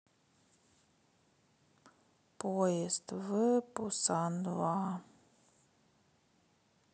поезд в пуссан два